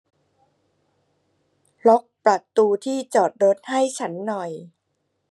ล็อกประตูที่จอดรถให้ฉันหน่อย